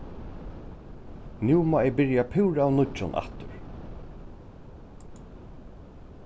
nú má eg byrja púra av nýggjum aftur